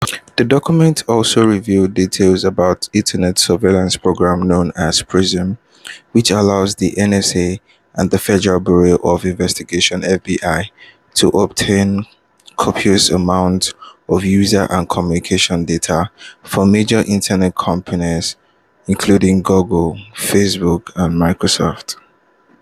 The documents also revealed details about an Internet surveillance program known as PRISM, which allows the NSA and the Federal Bureau of Investigation (FBI) to obtain copious amounts of user and communication data from major Internet companies including Google, Facebook, and Microsoft.